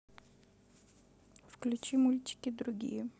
включи мультики другие